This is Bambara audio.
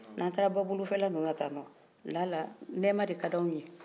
ni an taara babolofɛla ninnuw ten tɔ la la nɛɛma de ka di anw ye